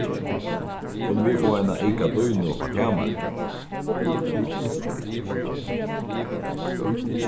kunnu vit fáa eina eyka dýnu upp á kamarið